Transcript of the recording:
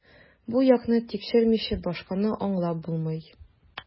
Бу якны тикшермичә, башканы аңлап булмый.